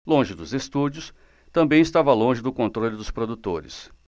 longe dos estúdios também estava longe do controle dos produtores